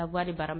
A bara ma